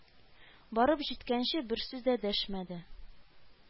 Барып җиткәнче бер сүз дә дәшмәде